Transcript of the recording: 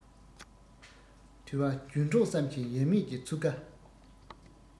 དུ བ རྒྱུན གྲོགས བསམ ཞིང ཡ མེད ཀྱི ཚུགས ཀ